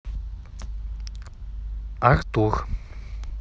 артур